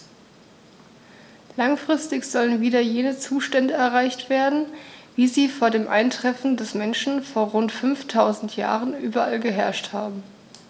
Langfristig sollen wieder jene Zustände erreicht werden, wie sie vor dem Eintreffen des Menschen vor rund 5000 Jahren überall geherrscht haben.